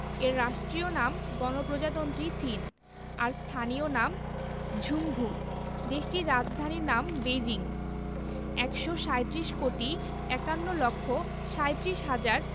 এর রাষ্ট্রীয় নাম গণপ্রজাতন্ত্রী চীন আর স্থানীয় নাম ঝুংঘু দেশটির রাজধানীর নাম বেইজিং ১৩৭ কোটি ৫১ লক্ষ ৩৭ হাজার